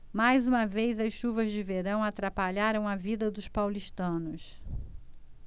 mais uma vez as chuvas de verão atrapalharam a vida dos paulistanos